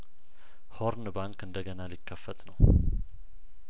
ሆርን ባንክ እንደገና ሊከፈት ነው